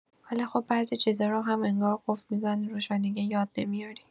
ولی خب بعضی چیزا رو هم انگار قفل می‌زنه روش و دیگه یاد نمیاری.